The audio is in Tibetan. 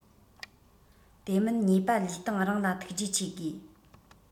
དེ མིན ཉེས པ ལུས སྟེང རང ལ ཐུགས རྗེ ཆེ དགོས